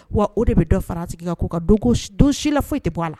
Wa o de bɛ dɔ fara a tigi ka ko kan dogo don si la foyi tɛ bɔ a la